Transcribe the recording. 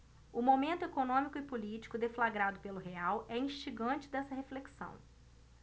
o momento econômico e político deflagrado pelo real é instigante desta reflexão